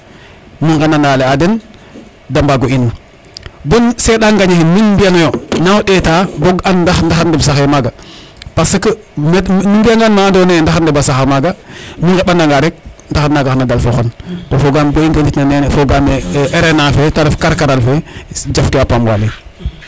nu ŋanda nale a den de mbago inu bon seɗa ngana xin men mbiyano yo na yo ndeta bo an ndax ndaxa ndeɓ saxe maga parce que nu mbiya ngan ma ando naye ndaxan ndeɓa saxa maga nu ŋeɓananga rek ndaxar naga xana dalfo xon to fogam bo i ngenit na nene fogame RNA fe te ref karkaral fe jofke a paam Waly